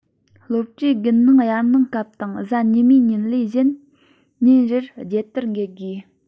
སློས གྲྭས དགུན གནང དབྱར གནང སྐབས དང གཟའ ཉི མའི ཉིན ལས གཞན ཉིན རེར རྒྱལ དར འགེལ དགོས